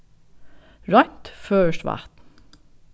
reint føroyskt vatn